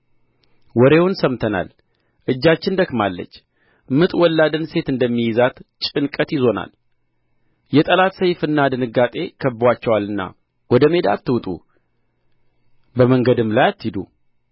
ወሬውን ሰምተናል እጃችን ደክማለች ምጥ ወላድን ሴት እንደሚይዛት ጭንቀት ይዞናል የጠላት ሰይፍና ድንጋጤ ከብበዋችኋልና ወደ ሜዳ አትውጡ በምንገድም ላይ አትሂዱ